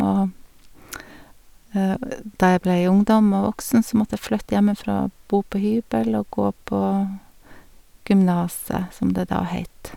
Og da jeg ble ungdom og voksen, så måtte jeg flytte hjemmefra og bo på hybel og gå på gymnaset, som det da het.